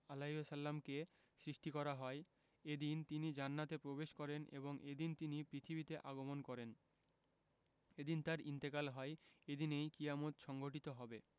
আ কে সৃষ্টি করা হয় এদিন তিনি জান্নাতে প্রবেশ করেন এবং এদিন তিনি পৃথিবীতে আগমন করেন এদিন তাঁর ইন্তেকাল হয় এদিনেই কিয়ামত সংঘটিত হবে